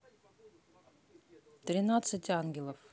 тринадцать ангелов